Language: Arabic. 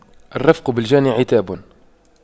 الرفق بالجاني عتاب